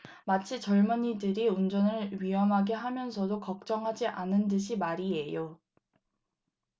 마치 젊은이들이 운전을 위험하게 하면서도 걱정하지 않듯이 말이에요